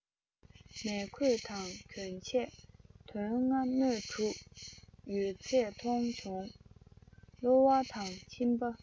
མལ གོས དང གྱོན ཆས དོན ལྔ སྣོད དྲུག ཡོད ཚད མཐོང བྱུང གློ བ དང མཆིན པ